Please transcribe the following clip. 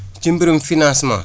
ci mbirum financement